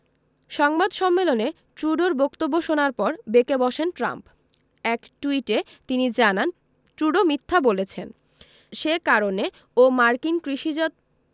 সংবাদ সম্মেলনে ট্রুডোর বক্তব্য শোনার পর বেঁকে বসেন ট্রাম্প এক টুইটে তিনি জানান ট্রুডো মিথ্যা বলেছেন সে কারণে ও মার্কিন কৃষিজাত